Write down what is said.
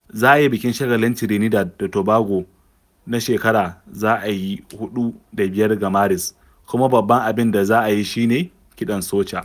Za a yi bikin shagalin Trinidad da Tobago na shekara za a yi 4 da 5 ga Maris, kuma babban abin da za a yi shi ne kiɗan soca.